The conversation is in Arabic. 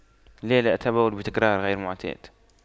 لا لا أتبول بتكرار غير معتاد